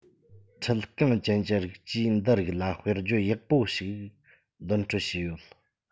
འཁྲིལ རྐང ཅན གྱི རིགས ཀྱིས འདི རིགས ལ དཔེར བརྗོད ཡག པོ ཞིག འདོན སྤྲོད བྱས ཡོད